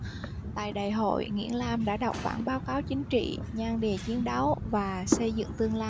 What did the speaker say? tại đại hội nguyễn lam đã đọc bản báo cáo chính trị nhan đề chiến đấu và xây dựng tương lai